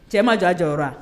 Cɛ ma diya jɔyɔrɔ